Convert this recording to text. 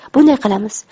bunday qilamiz